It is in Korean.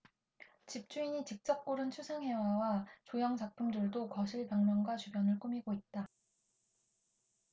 집주인이 직접 고른 추상 회화와 조형 작품들도 거실 벽면과 주변을 꾸미고 있다